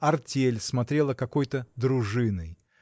Артель смотрела какой-то дружиной.